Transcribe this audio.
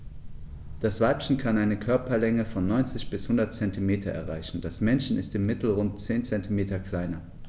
Das Weibchen kann eine Körperlänge von 90-100 cm erreichen; das Männchen ist im Mittel rund 10 cm kleiner.